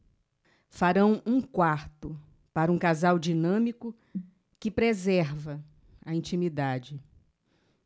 farão um quarto para um casal dinâmico que preserva a intimidade